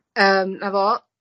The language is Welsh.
yym, 'na fo.